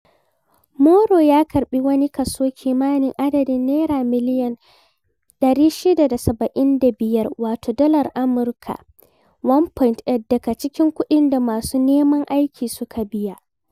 Moro ya karɓi wani kaso kimanin adadin naira miliyan 675 [wato dalar Amurka $1.8] daga cikin kuɗin da masu neman aikin suka biya.